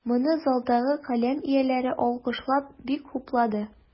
Моны залдагы каләм ияләре, алкышлап, бик хуплады.